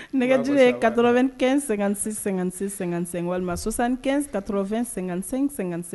Nɛgɛj ye ka2 kɛ sɛgɛn-sɛ- sɛgɛnsɛ walima sonsanɛn ka2---sɛ